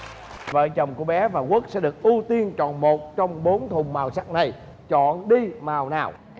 vợ chồng của bé và quốc sẽ được ưu tiên chọn một trong bốn thùng màu sắc này chọn đi màu nào